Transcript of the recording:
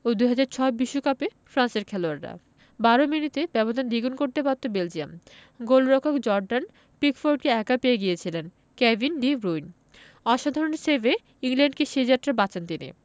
ও ২০০৬ বিশ্বকাপে ফ্রান্সের খেলোয়াড়রা ১২ মিনিটে ব্যবধান দ্বিগুণ করতে পারত বেলজিয়াম গোলরক্ষক জর্ডান পিকফোর্ডকে একা পেয়ে গিয়েছিলেন কেভিন ডি ব্রুইন অসাধারণ সেভে ইংল্যান্ডকে সে যাত্রা বাঁচান তিনি